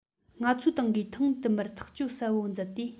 ང ཚོའི ཏང གིས ཐེངས དུ མར ཐག གཅོད གསལ བོ མཛད དེ